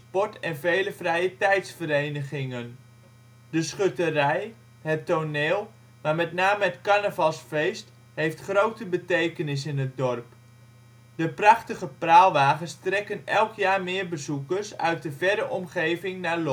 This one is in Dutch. vele vrijetijdsverenigingen. De schutterij, het toneel, maar met name het carnavalsfeest heeft grote betekenis in het dorp. De prachtige praalwagens trekken elk jaar meer bezoekers uit de verre omgeving naar